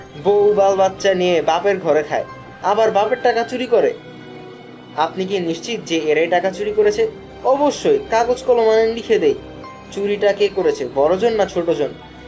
বউ-বালবাচ্চা নিয়ে বাপের ঘরে খায় আবার বাপের টাকা চুরি করে আপনি কি নিশ্চিত যে এরাই টাকা চুরি করেছে অবশ্যই কাগজ কলম আনেন লিখে দেই চুরিটা কে করেছে বড়জন না ছােটজন